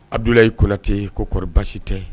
Adula' ko kuyate ko kɔrɔ basi tɛ